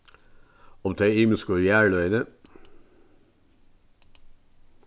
um tey ymisku jarðløgini